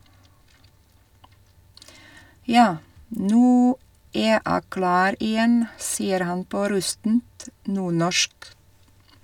- Ja, nu e æ klar igjen, sier han på rustent nordnorsk.